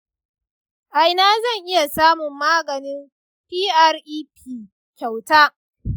a ina zan iya samun maganin prep kyauta?